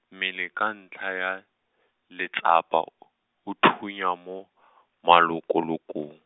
mmele ka ntlha ya, letsapa, o thunya mo , malokololong.